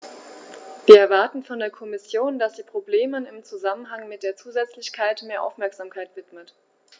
Wir erwarten von der Kommission, dass sie Problemen im Zusammenhang mit der Zusätzlichkeit mehr Aufmerksamkeit widmet.